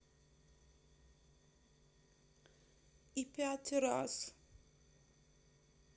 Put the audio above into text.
и пять раз